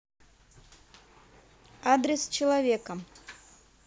адрес человека